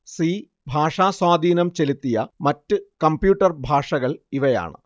C ഭാഷ സ്വാധീനം ചെലുത്തിയ മറ്റു കമ്പ്യൂട്ടർ ഭാഷകൾ ഇവയാണ്